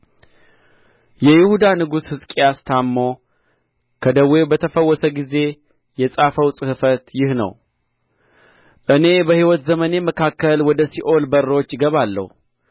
የይሁዳ ንጉሥ ሕዝቅያስ ታምሞ ከደዌው በተፈወሰ ጊዜ የጻፈው ጽሕፈት ይህ ነው እኔ በሕይወት ዘመኔ መካከል ወደ ሲኦል በሮች እገባለሁ